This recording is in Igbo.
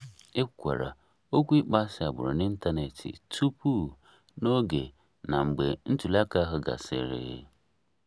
E kwukwara okwu ịkpọasị agbụrụ n'ịntaneetị tupu, n'oge na mgbe ntụliaka ahụ gasịrị.